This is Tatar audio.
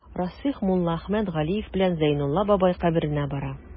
Расих Муллаәхмәт Галиев белән Зәйнулла бабасы каберенә бара.